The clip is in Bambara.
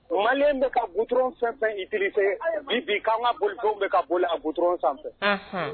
Maliɲɛnw bɛ ka goudron fɛn o fɛn utiliser bi bi ko an ka boli fɛn bɛ ka boli a sanfɛ, anhann.